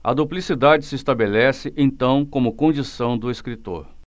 a duplicidade se estabelece então como condição do escritor